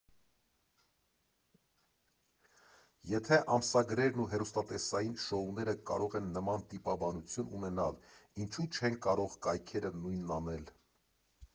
Եթե ամսագրերն ու հեռուստատեսային շոուները կարող են նման տիպաբանություն ունենալ, ինչո՞ւ չեն կարող կայքերը նույնն անել։